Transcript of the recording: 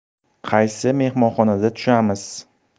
qaysi mehmonxonada tushamiz